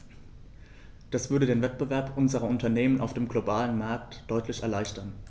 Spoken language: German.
Das würde den Wettbewerb unserer Unternehmen auf dem globalen Markt deutlich erleichtern.